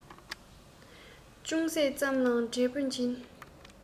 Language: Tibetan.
ཅུང ཟད ཙམ ལའང འབྲས བུ འབྱིན